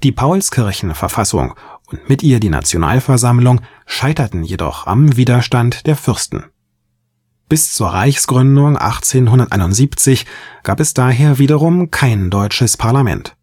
Paulskirchenverfassung und mit ihr die Nationalversammlung scheiterten jedoch am Widerstand der Fürsten. Reichstagsgebäude ca. 1900 Reichstagsgebäude 2008 Bis zur Reichsgründung 1871 gab es daher wiederum kein deutsches Parlament